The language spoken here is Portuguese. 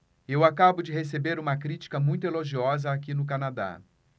eu acabo de receber uma crítica muito elogiosa aqui no canadá